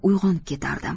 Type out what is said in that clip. uyg'onib ketardim